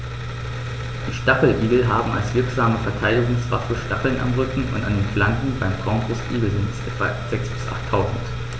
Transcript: Die Stacheligel haben als wirksame Verteidigungswaffe Stacheln am Rücken und an den Flanken (beim Braunbrustigel sind es etwa sechs- bis achttausend).